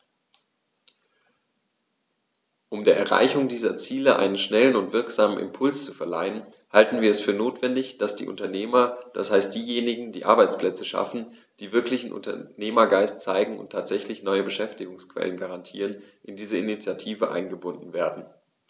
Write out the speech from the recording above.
Um der Erreichung dieser Ziele einen schnellen und wirksamen Impuls zu verleihen, halten wir es für notwendig, dass die Unternehmer, das heißt diejenigen, die Arbeitsplätze schaffen, die wirklichen Unternehmergeist zeigen und tatsächlich neue Beschäftigungsquellen garantieren, in diese Initiative eingebunden werden.